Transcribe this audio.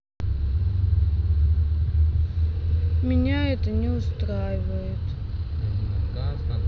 меня это не устраивает